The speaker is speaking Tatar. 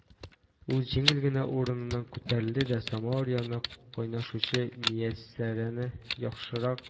Ул җиңел генә урыныннан күтәрелде дә самавыр янында кайнашучы Мияссәрәне яхшырак